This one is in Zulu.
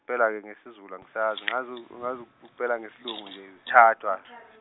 -pela ngesiZulu angisazi ngazu ukupela ngesilungu nje thathwa.